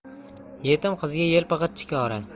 yetim qizga yelpig'ich chikora